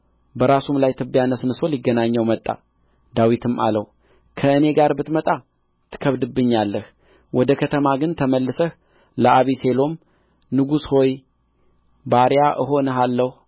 በራሱም ላይ ትቢያ ነስንሶ ሊገናኘው መጣ ዳዊትም አለው ከእኔ ጋር ብትመጣ ትከብደኛለህ ወደ ከተማ ግን ተመልሰህ ለአቤሴሎም ንጉሥ ሆይ ባሪያ እሆንሃለሁ